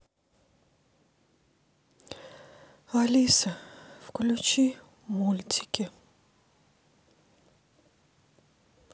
алиса включи мультики